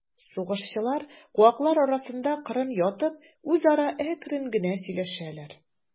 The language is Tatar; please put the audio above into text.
Сугышчылар, куаклар арасында кырын ятып, үзара әкрен генә сөйләшәләр.